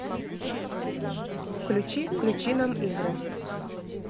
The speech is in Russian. включи включи нам игры